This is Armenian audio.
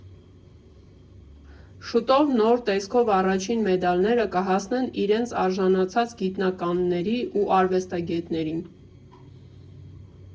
Շուտով նոր տեսքով առաջին մեդալները կհասնեն իրենց արժանացած գիտնականների ու արվեստագետներին։